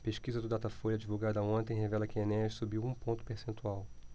pesquisa do datafolha divulgada ontem revela que enéas subiu um ponto percentual